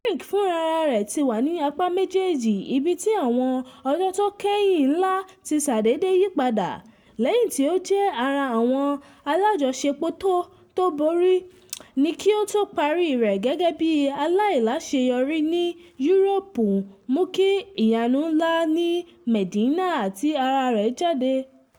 Furyk funra ara rẹ ti wà ní apá méjèèjì ibi ti àwọn ọjọ́ tó kẹ́hìn ńlá ti ṣàdédé yípadà, lẹ́yìn tí ó ti jẹ́ ara àwọn alájọṣepọ̀tó tò borí ní kí ó tó parí rẹ̀ gẹ́gẹ́bí aláìláṣeyọrí ní Yúrópù mú kí “Ìyànu ńlá ní Mẹ̀dínà” ti ara rẹ̀ jáde.